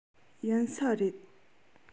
ཡིན ས རེད